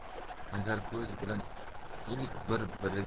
agar ko'z bilan ilik bir biriga